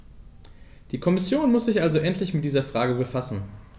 Die Kommission muss sich also endlich mit dieser Frage befassen.